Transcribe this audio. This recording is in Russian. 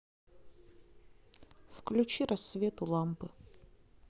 включи рассвет у лампы